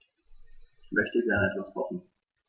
Ich möchte gerne etwas kochen.